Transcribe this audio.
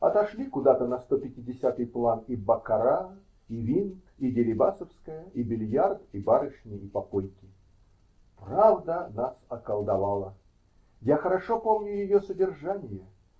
Отошли куда-то на стопятидесятый план и баккара, и винт, и Дерибасовская, и бильярд, и барышни, и попойки. "Правда" нас околдовала. Я хорошо помню ее содержание.